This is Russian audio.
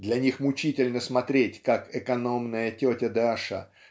Для них мучительно смотреть как экономная тетя Даша